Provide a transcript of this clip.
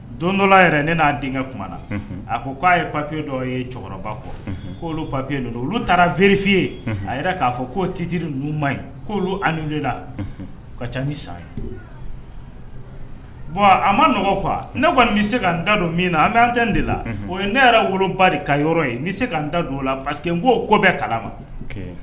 Don dɔ yɛrɛ ne'a denkɛ k na a ko k'a ye papiye dɔ ye cɛkɔrɔba kɔ k'olu papiye dɔ don olu taara bereerefin ye a yɛrɛ k'a fɔ' titiriri n numuu ma ɲi' an de la ka ca ni san ye bɔn a ma nɔgɔ ne kɔni bɛ se ka da don min na an bɛ an de la o ne yɛrɛ woloba de ka yɔrɔ ye n bɛ se ka da don o la paseke ko ko bɛ kala ma